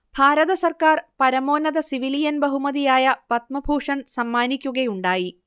ഭാരത സർക്കാർ പരമോന്നത സിവിലിയൻ ബഹുമതിയായ പദ്മഭൂഷൺ സമ്മാനിക്കുകയുണ്ടായി